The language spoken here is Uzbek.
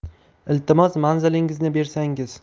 iltimos manzilingizni bersangiz